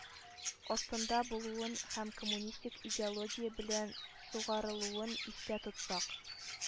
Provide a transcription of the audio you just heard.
Астында булуын һәм коммунистик идеология белән сугарылуын истә тотсак,